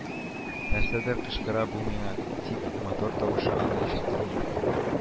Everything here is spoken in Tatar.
Нәрсәдер кычкыра бу миңа, тик мотор тавышы аны ишеттерми